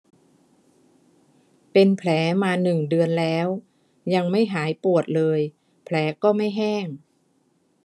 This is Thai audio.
เป็นแผลมาหนึ่งเดือนแล้วยังไม่หายปวดเลยแผลก็ไม่แห้ง